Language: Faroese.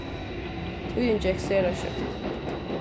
tíðin gekk sera skjótt